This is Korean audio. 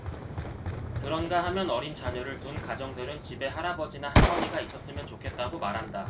그런가 하면 어린 자녀를 둔 가정들은 집에 할아버지나 할머니가 있었으면 좋겠다고 말한다